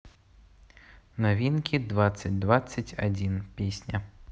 новинки двадцать двадцать один песня